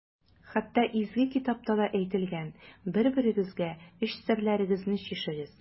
Хәтта Изге китапта да әйтелгән: «Бер-берегезгә эч серләрегезне чишегез».